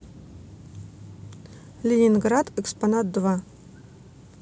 ленинград экспонат два